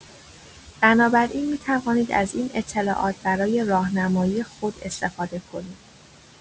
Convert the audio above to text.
بنابراین می‌توانید از این اطلاعات برای راهنمایی خود استفاده کنید.